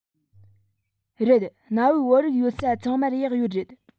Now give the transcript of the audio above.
རེད གནའ བོའི བོད རིགས ཡོད ས ཚང མར གཡག ཡོད རེད